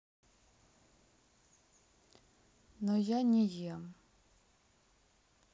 но я не ем